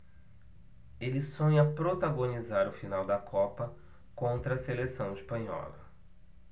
ele sonha protagonizar a final da copa contra a seleção espanhola